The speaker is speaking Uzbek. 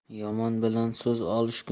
yomon bilan so'z